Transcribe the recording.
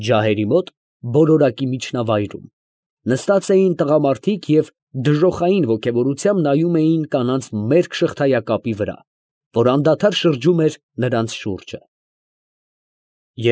Ջահերի մոտ, բոլորակի միջնավայրում, նստած էին տղամարդիկ և դժոխային ոգևորությամբ նայում էին կանանց մերկ շղթայակապի վրա, որ անդադար շրջում էր նրանց շուրջը։